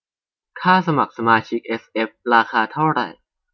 ค่าสมัครสมาชิกเอสเอฟราคาเท่าไหร่